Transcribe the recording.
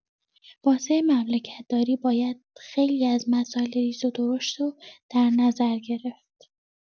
واسه مملکت‌داری باید خیلی از مسائل ریز و درشتو در نظر گرفت.